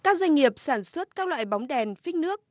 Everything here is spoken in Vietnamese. các doanh nghiệp sản xuất các loại bóng đèn phích nước